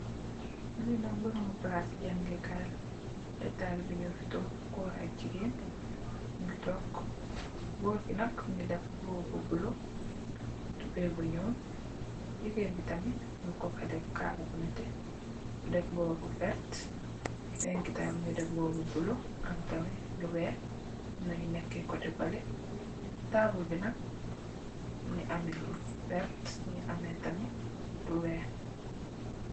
Lii nak barabu palaas si jangekaay la, ay talibe nyo fi toog, goor ak jigeen, nyun ngi toog, goor gi nak mingi def mbuba bu bula, tubay bu nyuul, jigeen bi tamit amna ku fa def kaala bu nete, def mbuba bu verte, keneen ki tamit mingi def mbuba bu bula, am tamit lu weex, amna nyu neeke kote bale, taabul bi nak mingi ame lu verte, mingi ame tamit lu weex.